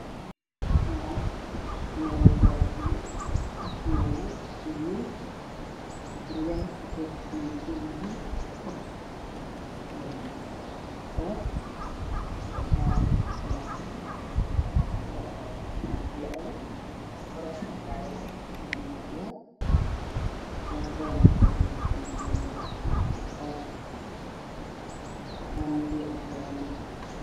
Waa meel baadiyo waxaa kuyaalo guryo waxay kasameysan yihiin ood iyo xaarka lo'da, kor waxaa kasaaran geedo, hoosna waa jiingad waxaa dhex yaalo geed.